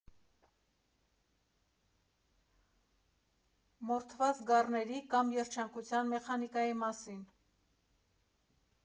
Մորթված գառների կամ երջանկության մեխանիկայի մասին։